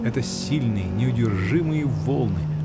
Это сильные, неудержимые волны!